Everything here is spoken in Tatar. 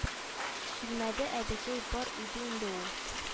Килмәде әбекәй бар иде инде ул